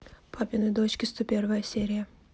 папины дочки сто первая серия